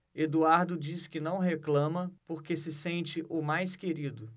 eduardo diz que não reclama porque se sente o mais querido